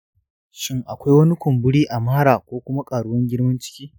shin akwai wani kumburi a mara ko kuma ƙaruwan girman ciki?